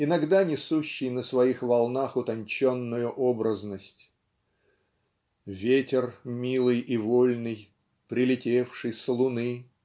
иногда несущий на своих волнах утонченную образность Ветер милый и вольный Прилетевший с луны